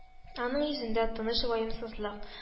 Аның йөзендә тыныч ваемсызлык